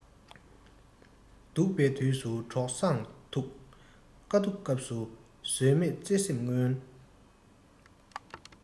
སྡུག པའི དུས སུ གྲོགས བཟང ཐུག དཀའ སྡུག སྐབས སུ ཟོལ མེད བརྩེ སེམས མངོན